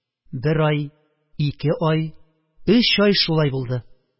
Бер ай, ике ай, өч ай шулай булды.